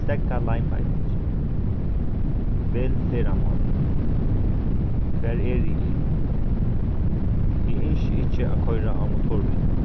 steðga leiðbeiningini vel ferðamál hvar eri eg eg ynski ikki at koyra á motorvegnum